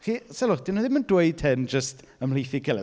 Felly, sylwch, 'dyn nhw ddim yn dweud hyn jyst ymhlith ei gilydd.